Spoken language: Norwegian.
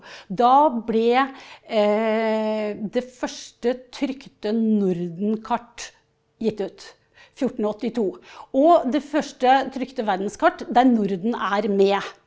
da ble det første trykte Nordenkart gitt ut, fjortenåttito, og det første trykte verdenskart der Norden er med.